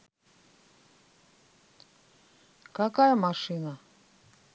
какая машина